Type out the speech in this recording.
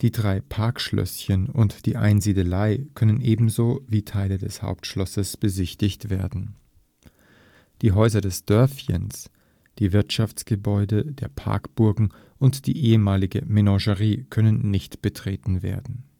drei Parkschlösschen und die Einsiedelei können ebenso wie Teile des Hauptschlosses besichtigt werden. Die Häuser des Dörfchens, die Wirtschaftsgebäude der Parkburgen und die ehemalige Menagerie können nicht betreten werden